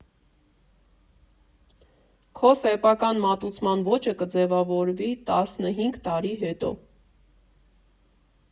Քո սեփական մատուցման ոճը կձևավորվի տասնհինգ տարի հետո։